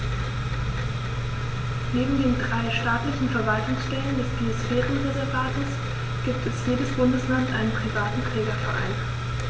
Neben den drei staatlichen Verwaltungsstellen des Biosphärenreservates gibt es für jedes Bundesland einen privaten Trägerverein.